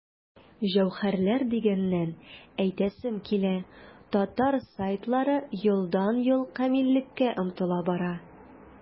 Җәүһәрләр дигәннән, әйтәсем килә, татар сайтлары елдан-ел камиллеккә омтыла бара.